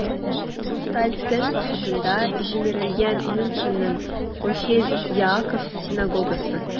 "хрусталь төн" вакытында җимерелгән мюнхенның "охель яаков" синагогасы.